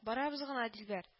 Барабыз гына. дилбәр